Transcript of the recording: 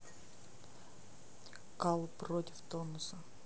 call против тонуса